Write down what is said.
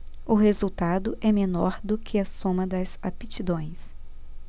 o resultado é menor do que a soma das aptidões